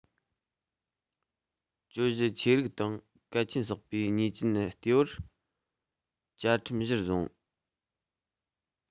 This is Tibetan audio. གྱོད གཞི ཆེ རིགས དང གལ ཆེན བསགས པའི ཉེས ཅན གཏེ པོར བཅའ ཁྲིམས གཞིར བཟུང